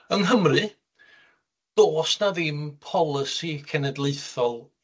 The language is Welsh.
Yng Nghymru, do's 'na ddim polisi cenedlaethol